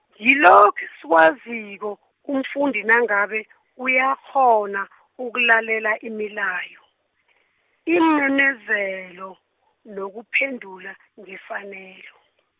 ngilokhu esikwaziko umfundi nangabe uyakghona ukulalela imilayo, iimemezelo, nokuphendula ngefanelo.